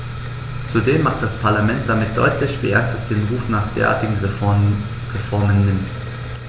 Zudem macht das Parlament damit deutlich, wie ernst es den Ruf nach derartigen Reformen nimmt.